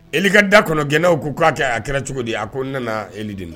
E ka da kɔnɔ gɛnna ko k'a kɛ a kɛra cogo di a ko ne eli de la